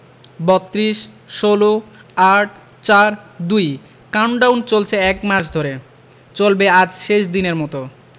৩২ ১৬ ৮ ৪ ২ countdown চলছে এক মাস ধরে চলবে আজ শেষ দিনের মতো